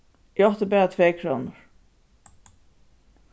eg átti bara tveykrónur